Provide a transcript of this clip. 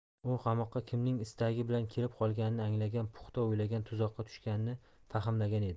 u qamoqqa kimning istagi bilan kelib qolganini anglagan puxta o'ylangan tuzoqqa tushganini fahmlagan edi